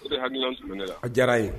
O de hakilina kun bi ne la. A diyara n ye